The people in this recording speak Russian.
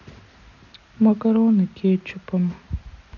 макароны кетчупом